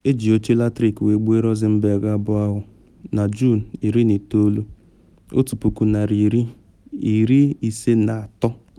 Eji oche latrik wee gbuo Rosenberg abụọ ahụ na Juun 19, 1953.